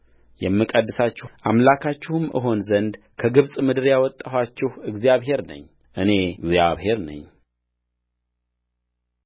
የምቀድሳችሁ አምላካችሁም እሆን ዘንድ ከግብፅ ምድር ያወጣኋችሁ እግዚአብሔር ነኝ እኔ እግዚአብሔር ነኝ